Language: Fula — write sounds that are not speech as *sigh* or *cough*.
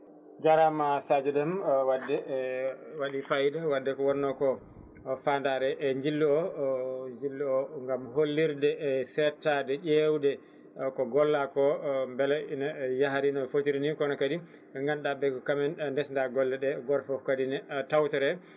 jarama Sadio Déme wadde e waɗi fayida wadde ko wonno ko fandare e jillu o *hesitation* jillu o gaam hollirde e settade ƴewde ko golla ko beele ine yaahirine no fotirini kono kadi ɓe ganduɗa ɓe ko kamen ndesda golleɗe gorfoof kadi ne tawtore